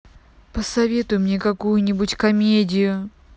посоветуй мне какую нибудь комедию